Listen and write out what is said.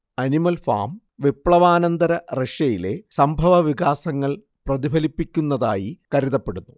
animal Farm വിപ്ലവാനന്തര റഷ്യയിലെ സംഭവവികാസങ്ങൾ പ്രതിഫലിപ്പിക്കുന്നതായി കരുതപ്പെടുന്നു